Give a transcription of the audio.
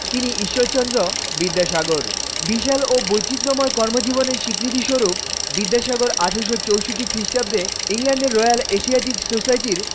তিনি ইশ্বরচন্দ্র বিদ্যাসাগর বিশাল ও বৈচিত্রময় কর্মজীবনের স্বীকৃতিস্বরূপ বিদ্যাসাগর ১৮৬৪ খ্রিস্টাব্দে ইংল্যান্ডের রয়েল এশিয়াটিক সোসাইটির